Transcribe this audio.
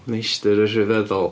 Meistr y Rhyfeddol.